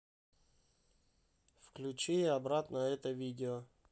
включи обратно это видео